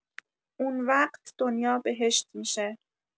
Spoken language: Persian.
اون وقت دنیا بهشت می‌شه.